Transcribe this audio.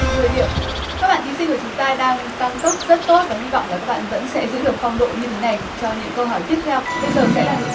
mười điểm các bạn thí sinh của chúng ta đang tăng tốc rất tốt và hy vọng là các bạn vẫn sẽ giữ được phong độ như thế này cho những câu hỏi tiếp theo bây giờ sẽ là nội